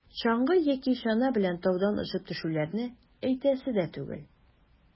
Чаңгы яки чана белән таудан очып төшүләрне әйтәсе дә түгел.